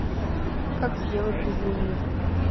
как сделать безлимит